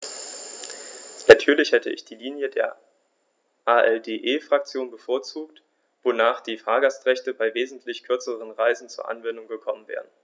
Natürlich hätte ich die Linie der ALDE-Fraktion bevorzugt, wonach die Fahrgastrechte bei wesentlich kürzeren Reisen zur Anwendung gekommen wären.